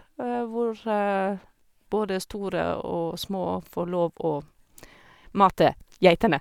Hvor både store og små får lov å mate geitene.